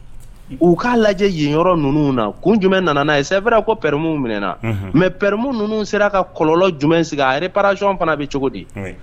U k kaa lajɛ yen yɔrɔ ninnu kun jumɛn nana ye ko pɛw mɛ pɛm ninnu sera ka kɔlɔnlɔ jumɛn sigi a payɔn fana bɛ cogo di